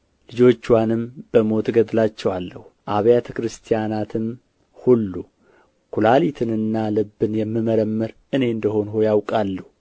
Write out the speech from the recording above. ልጆችዋንም በሞት እገድላቸዋለሁ አብያተ ክርስቲያናትም ሁሉ ኵላሊትንና ልብን የምመረምር እኔ እንደ ሆንሁ ያውቃሉ